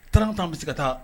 Taararan tan an bɛ se ka taa